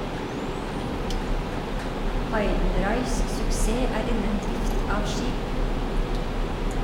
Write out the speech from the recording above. Heidenreichs suksess er innen drift av skip.